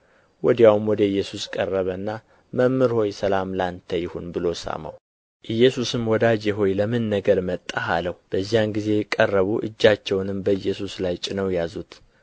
ወዲያውም ወደ ኢየሱስ ቀረበና መምህር ሆይ ሰላም ለአንተ ይሁን ብሎ ሳመው ኢየሱስም ወዳጄ ሆይ ለምን ነገር መጣህ አለው በዚያን ጊዜ ቀረቡ እጃቸውንም በኢየሱስ ላይ ጭነው ያዙት